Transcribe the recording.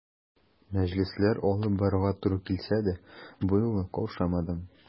Мәҗлесләр алып барырга туры килсә дә, бу юлы каушадым.